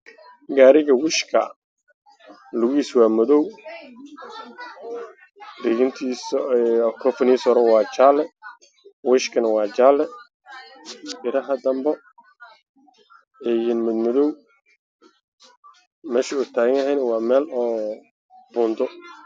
Waa gaari wiish. Ah midabkiis yahay jaalo madow